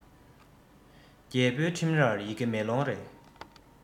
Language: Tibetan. རྒྱལ པོའི ཁྲིམས རར ཡི གེ མེ ལོང རེད